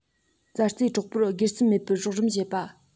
མཛའ བརྩེའི གྲོགས པོར སྒེར སེམས མེད པའི རོགས རམ བྱེད པ